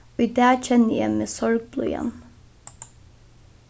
í dag kenni eg meg sorgblíðan